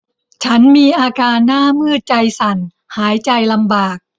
ฉันมีอาการหน้ามืดใจสั่นหายใจลำบาก